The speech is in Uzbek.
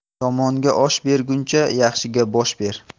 yomonga osh berguncha yaxshiga bosh ber